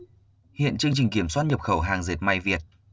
hiện chương trình kiểm soát nhập khẩu hàng dệt may việt